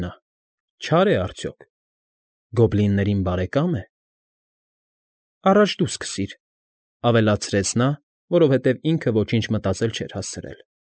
Է նա, չա՞ր է արդյոք, գոբլիններին բարեկա՞մ է։֊ Առաջ դու սկսիր,֊ ավելացրեց նա, որովհետև ինքը ոչինչ մտածել չէր հասցրել։